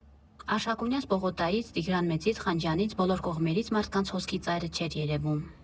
Արշակունյաց պողոտայից, Տիգրան Մեծից, Խանջյանից՝ բոլոր կողմերից մարդկանց հոսքի ծայրը չէր երևում։